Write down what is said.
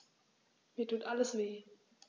Mir tut alles weh.